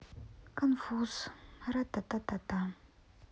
конфуз ратататата